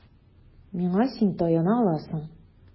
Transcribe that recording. Миңа син таяна аласың.